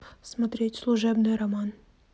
смотреть служебный роман